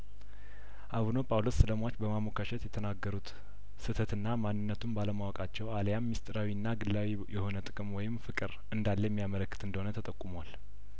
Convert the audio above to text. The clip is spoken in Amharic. አቡነ ጳውሎስ ስለሟች በማሞካሸት የተናገሩት ስህተትና ማንነቱን ባለማወቃቸው አልያም ምስጢራዊና ግላዊ የሆነ ጥቅም ወይም ፍቅር እንዳለ የሚያመለክት እንደሆነም ተጠቁሟል